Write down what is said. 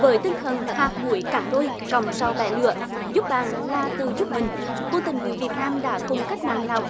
với tinh thần hạt muối cắn đôi cọng rau bẻ nửa giúp bạn là tự giúp mình cố tình nguyện việt nam đã cùng cách mạng lào